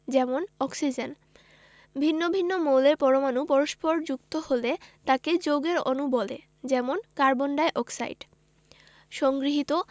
যেমন অক্সিজেন ভিন্ন ভিন্ন মৌলের পরমাণু পরস্পর যুক্ত হলে তাকে যৌগের অণু বলে যেমন কার্বন ডাই অক্সাইড সংগৃহীত